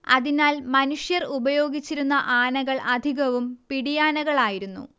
അതിനാൽ മനുഷ്യർ ഉപയോഗിച്ചിരുന്ന ആനകൾ അധികവും പിടിയാനകളായിരുന്നു